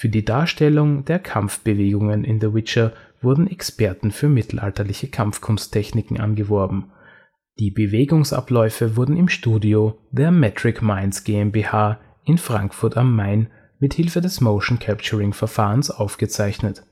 die Darstellung der Kampfbewegungen in The Witcher wurden Experten für mittelalterliche Kampfkunsttechniken angeworben. Die Bewegungsabläufe wurden im Studio der metricminds GmbH in Frankfurt am Main mit Hilfe des Motion-Capturing-Verfahrens aufgezeichnet